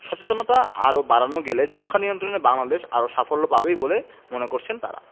সচেতনতা আরও বাড়ানো গেলে যক্ষ্মানিয়ন্ত্রণে বাংলাদেশ আরও সাফল্য পাবেই বলে মনে করছেন তারা